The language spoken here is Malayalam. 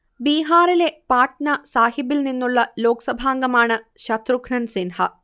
ബീഹാറിലെ പാട്ന സാഹിബിൽ നിന്നുള്ള ലോക്സഭാംഗമാണ് ശത്രുഘ്നൻ സിൻഹ